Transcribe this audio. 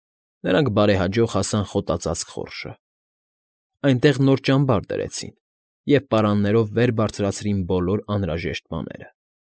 Նրանք բարեհաջող հասան խոտածածկ խորշը, այնտեղ նոր ճամբար դրեցին և պարաններով վեր բարձրացրին բոլոր անհրաժեշտ բաները։